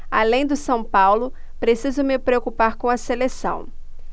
além do são paulo preciso me preocupar com a seleção